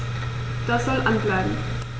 Das soll an bleiben.